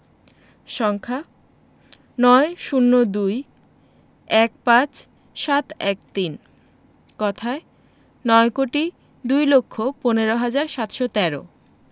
সংখ্যাঃ ৯০২১৫৭১৩ কথায় নয় কোটি দুই লক্ষ পনেরো হাজার সাতশো তেরো